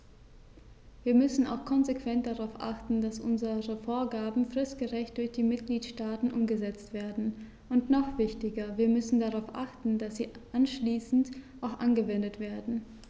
Wir müssen auch konsequent darauf achten, dass unsere Vorgaben fristgerecht durch die Mitgliedstaaten umgesetzt werden, und noch wichtiger, wir müssen darauf achten, dass sie anschließend auch angewendet werden.